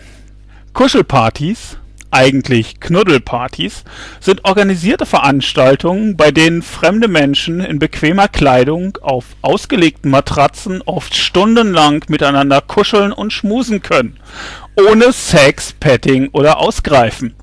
Kuschelpartys (eigentlich " Knuddelpartys ") sind organisierte Veranstaltungen, bei denen fremde Menschen in bequemer Kleidung auf ausgelegten Matratzen oft stundenlang miteinander kuscheln und schmusen können (ohne Sex, Petting oder " ausgreifen